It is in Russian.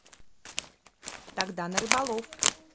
тогда на рыболов